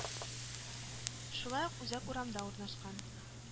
Шулай ук Үзәк урамда урнашкан